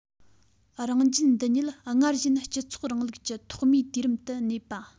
རང རྒྱལ འདི ཉིད སྔར བཞིན སྤྱི ཚོགས རིང ལུགས ཀྱི ཐོག མའི དུས རིམ དུ གནས པ